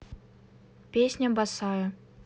песня босая